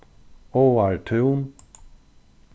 áartún